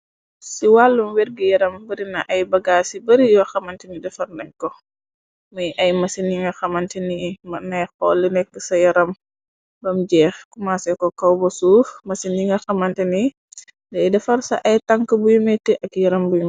Ci wàllum wergu yaram bari na ay bagaa ci bari yo xamante ni defar nañ ko muy ay mase ni nga xamante ni nay xool nekk ca yaram bam jeex kumaase ko kaw ba suux mase ni nga xamante ni ley defar sa ay tank buy metti ak yaram buyue.